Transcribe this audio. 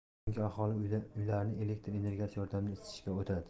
chunki aholi uylarini elektr energiyasi yordamida isitishga o'tadi